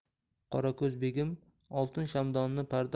qorako'z begim oltin shamdonni parda